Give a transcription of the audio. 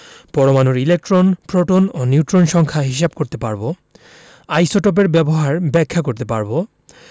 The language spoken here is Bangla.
পরমাণুর ইলেকট্রন প্রোটন ও নিউট্রন সংখ্যা হিসাব করতে পারব আইসোটোপের ব্যবহার ব্যাখ্যা করতে পারব